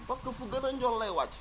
parce que fu gën a ñool lay wàcc